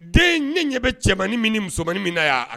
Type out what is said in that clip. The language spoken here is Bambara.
Den ɲɛ ɲɛ bɛ cɛmaninin min musomanmani mina na yan